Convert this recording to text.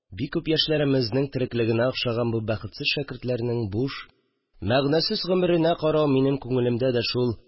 Бик күп яшьләремезнең тереклегенә охшаган бу б әхетсез шәкертләрнең буш, мәгънәсез гомеренә карау минем күңелемдә дә шул